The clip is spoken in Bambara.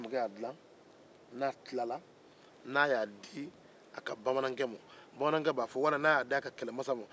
numukɛ b'a dila k'a di a ka kɛlɛmasa walima bamanankɛ ma